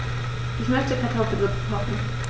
Ich möchte Kartoffelsuppe kochen.